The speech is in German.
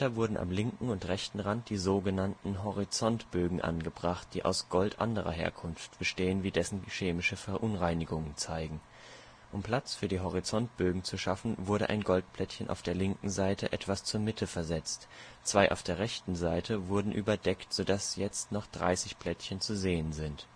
wurden am linken und rechten Rand die so genannten Horizontbögen angebracht, die aus Gold anderer Herkunft bestehen, wie dessen chemische Verunreinigungen zeigen. Um Platz für die Horizontbögen zu schaffen, wurde ein Goldplättchen auf der linken Seite etwas zur Mitte versetzt, zwei auf der rechten Seite wurden überdeckt, so dass jetzt noch 30 Plättchen zu sehen sind